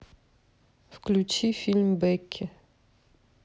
включи фильм бекки